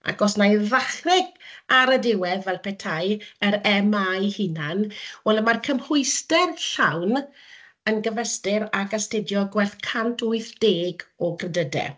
ac os wna i ddechrau ar y diwedd fel petai, yr MA 'i hunan, wel y mae'r cymhwyster llawn yn gyfystyr ag astudio gwerth cant wythdeg o gredydau.